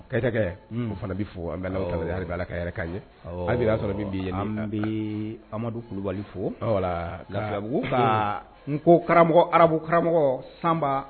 Keita kɛɛ unn o fana bi fo an bɛ Alahutala deli halibi Ala ka hɛrɛ k'an ye awɔɔ y'a sɔrɔ bi an bii Amadu Kulibali fo ɔ voilà Lafiabugu kaa Nko karamɔgɔ arabu karamɔgɔɔ Sanba